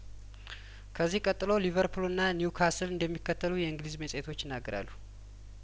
ከዚህ ቀጥሎ ሊቨርፑልና ኒውካስል እንደሚከተሉ የእንግሊዝ መጽሄቶች ይናገራሉ